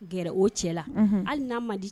Gɛrɛ o cɛ la. Unhun. Hali na man di